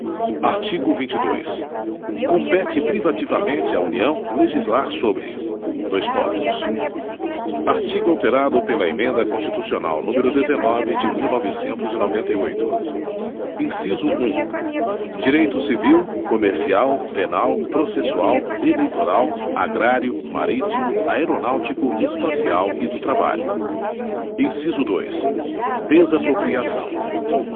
artigo vinte e dois compete privativamente à união legislar sobre dois pontos artigo alterado pela emenda constitucional número dezenove de mil novecentos e noventa e oito inciso um direito civil comercial penal processual eleitoral agrário marítimo aeronáutico espacial e do trabalho inciso dois desapropriação